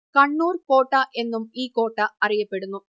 കണ്ണൂർ കോട്ട എന്നും ഈ കോട്ട അറിയപ്പെടുന്നു